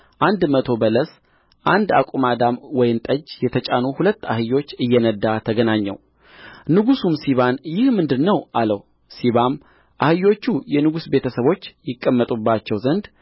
አንድ መቶም በለስ አንድ አቁማዳም ወይን ጠጅ የተጫኑ ሁለት አህዮች እየነዳ ተገናኘው ንጉሡም ሲባን ይህ ምንድር ነው አለው ሲባም አህዮቹ የንጉሥ ቤተ ሰቦች ይቀመጡባቸው ዘንድ